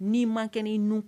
N'i man kɛnɛ'i nun